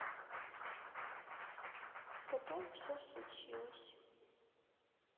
потом все случилось